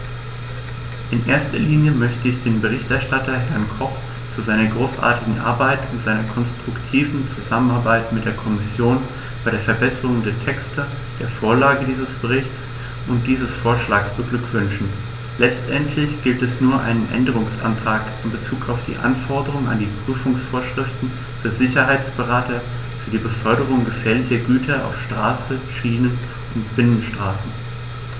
In erster Linie möchte ich den Berichterstatter, Herrn Koch, zu seiner großartigen Arbeit und seiner konstruktiven Zusammenarbeit mit der Kommission bei der Verbesserung der Texte, der Vorlage dieses Berichts und dieses Vorschlags beglückwünschen; letztendlich gibt es nur einen Änderungsantrag in bezug auf die Anforderungen an die Prüfungsvorschriften für Sicherheitsberater für die Beförderung gefährlicher Güter auf Straße, Schiene oder Binnenwasserstraßen.